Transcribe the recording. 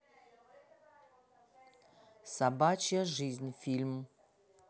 собачья жизнь фильм